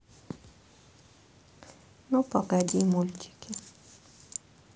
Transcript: ну погоди мультики